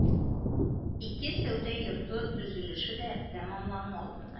Ике сәүдә йорты төзелеше дә тәмамлану алдында.